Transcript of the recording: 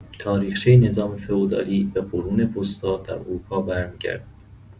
تاریخچه نظام فئودالی به قرون وسطی در اروپا برمی‌گردد.